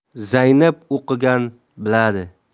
zaynab o'qigan biladi